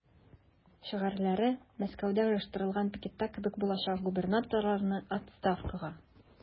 Шигарьләре Мәскәүдә оештырылган пикетта кебек булачак: "Губернаторны– отставкага!"